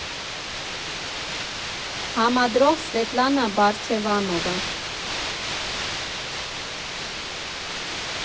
Համադրող՝ Սվետլանա Բաչևանովա։